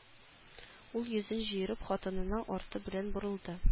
Ул йөзен җыерып хатынына арты белән борылды